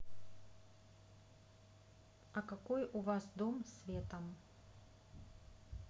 а какой у вас дом светом